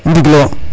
Ndigil o